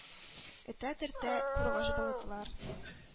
Этә-төртә кургаш болытлар